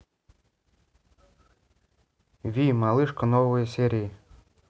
ви малышка новые серии